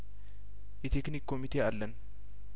የቴክኒክ ኮሚቴ አለን